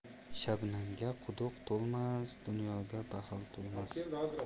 shabnamga quduq to'lmas dunyoga baxil to'ymas